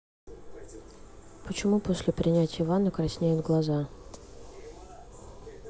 почему после принятия ванны краснеет глаза